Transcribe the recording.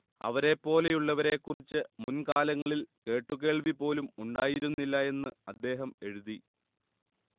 അവരെപ്പോലെയുള്ളവരെക്കുറിച്ച് മുൻകാലങ്ങളിൽ കേട്ടുകേൾവി പോലും ഉണ്ടായിരുന്നില്ല എന്ന് അദ്ദേഹം എഴുതി